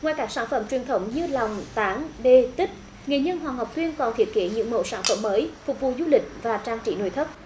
ngoài các sản phẩm truyền thống như lòng tán đê tích nghệ nhân hoàng ngọc thuyên còn thiết kế những mẫu sản phẩm mới phục vụ du lịch và trang trí nội thất